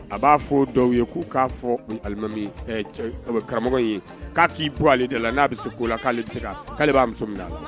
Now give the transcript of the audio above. A b'a f'o dɔw ye k'u k'a fɔ nin alimami ye ɛɛ cɛ kamɔ karamɔgɔ in ye k'a k'i bɔ ale da la n'a bi se ko la k'ale bi se ka k'ale b'a muso minn'a la